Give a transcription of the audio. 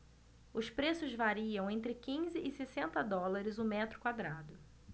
os preços variam entre quinze e sessenta dólares o metro quadrado